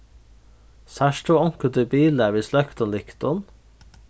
sært tú onkuntíð bilar við sløktum lyktum